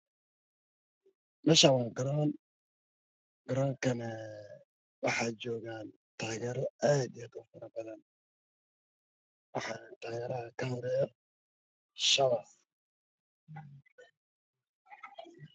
meshan wagaron garonkana e waxajoga tagero aad iyo aad u farabadan waxana tageraha ka hore yo shabaq